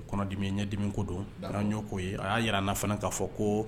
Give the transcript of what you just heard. Kɔnɔdimi ɲɛdimi ko don an ɲ'o o ye a y'a yir'an na fana k'a fɔ koo